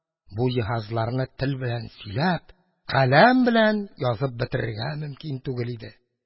Бу җиһазларны тел белән сөйләп, каләм белән язып бетерергә мөмкин түгел иде.